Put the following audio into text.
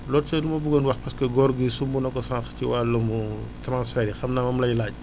l' autre chose bu ma bëggoon wax parce góor gi sumb na ko sànq wax ci wàllum transferts yi xam naa moom lay laaj